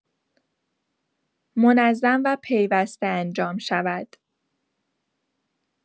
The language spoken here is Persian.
منظم و پیوسته انجام شود.